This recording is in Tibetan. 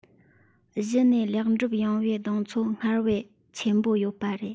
གཞི ནས ལེགས འགྲུབ ཡོང བའི གདེང ཚོད སྔར བས ཆེན པོ ཡོད པ རེད